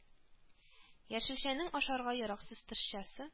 Яшелчәнең ашарга яраксыз тышчасы